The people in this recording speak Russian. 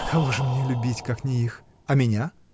— Кого же мне любить, как не их? — А меня?